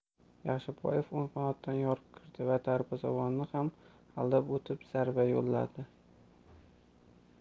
yaxshiboyev o'ng qanotdan yorib kirdi va darvozabonni ham albad o'tib zarba yo'lladi